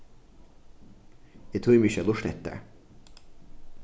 eg tími ikki at lurta eftir tær